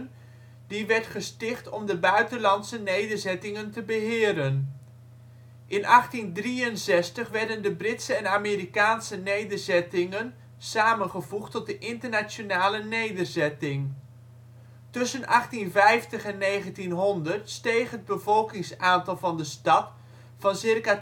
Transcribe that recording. om de buitenlandse nederzettingen te beheren. In 1863 werden de Britse en Amerikaanse nederzettingen samengevoegd tot de Internationale Nederzetting. Tussen 1850 en 1900 steeg het bevolkingsaantal van de stad van circa